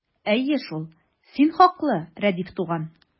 Әйе шул, син хаклы, Рәдиф туган!